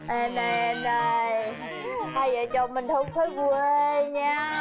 em đây em đây hai vợ chồng mình không thể quê nhau